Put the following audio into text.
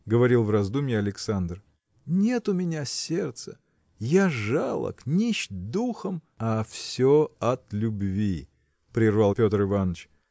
– говорил в раздумье Александр, – нет у меня сердца! я жалок, нищ духом! – А все от любви! – прервал Петр Иваныч.